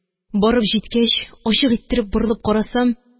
Барып җиткәч, ачык иттереп борылып карасам